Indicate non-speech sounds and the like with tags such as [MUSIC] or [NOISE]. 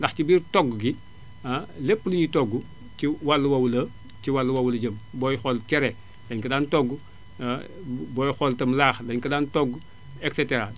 ndax ci biir togg gi ah lépp luy togg ci wàllu woowu la ci wàll woowu la jëm booy xool cere dañu ko daan togg [HESITATION] booy xool itam laax dañu ko daan togg et cetera